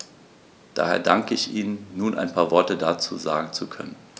Daher danke ich Ihnen, nun ein paar Worte dazu sagen zu können.